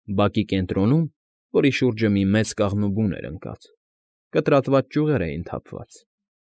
Բակի կենտրոնում, որի շուրջը մի մեծ կաղնու բուն էր ընկած, կտրտված ճյուղեր էին թափված։